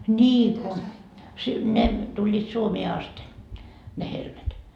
niin kun - ne tulivat Suomeen asti ne helmet